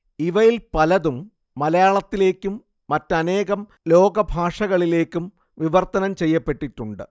ഇവയിൽ പലതും മലയാളത്തിലേക്കും മറ്റനേകം ലോകഭാഷകളിലേക്കും വിവർത്തനം ചെയ്യപ്പെട്ടിട്ടുണ്ട്